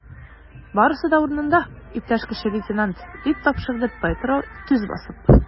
Барысы да урынында, иптәш кече лейтенант, - дип тапшырды Петро, төз басып.